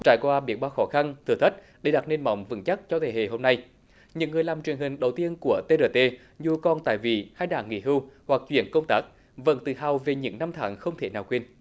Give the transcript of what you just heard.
trải qua biết bao khó khăn thử thách để đặt nền móng vững chắc cho thế hệ hôm nay những người làm truyền hình đầu tiên của tê rờ tê iu con tại mỹ khách đã nghỉ hưu hoặc chuyển công tác vẫn tự hào về những năm tháng không thể nào quên